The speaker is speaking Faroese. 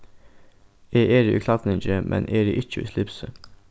eg eri í klædningi men eri ikki í slipsi